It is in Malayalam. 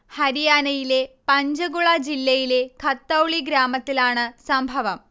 ഹരിയാനയിലെ പഞ്ചഗുള ജില്ലയിലെ ഖത്തൗളി ഗ്രാമത്തിലാണ് സംഭവം